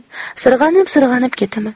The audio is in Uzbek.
sirg'anib sirg'anib ketaman